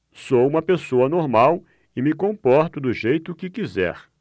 sou homossexual e me comporto do jeito que quiser